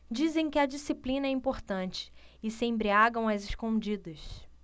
dizem que a disciplina é importante e se embriagam às escondidas